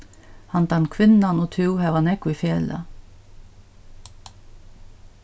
handan kvinnan og tú hava nógv í felag